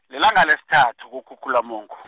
lilanga lesithathu, kuKhukhulamungu.